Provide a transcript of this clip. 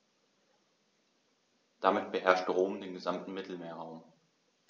Damit beherrschte Rom den gesamten Mittelmeerraum.